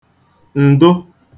ǹdụ